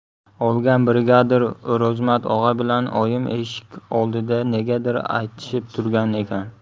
olgan brigadir o'rozmat og'a bilan oyim eshik oldida negadir aytishib turgan ekan